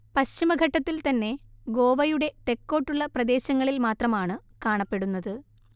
പശ്ചിമഘട്ടത്തിൽ തന്നെ ഗോവയുടെ തെക്കോട്ടുള്ള പ്രദേശങ്ങളിൽ മാത്രമാണ് കാണപ്പെടുന്നത്